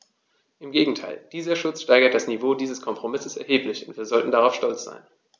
Im Gegenteil: Dieser Schutz steigert das Niveau dieses Kompromisses erheblich, und wir sollten stolz darauf sein.